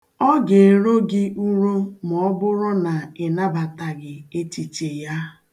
Ọ ga-ero gị uro maọbụrụ na ịnabataghị echiche ya.